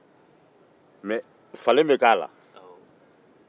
mɛ falen be kɛ a la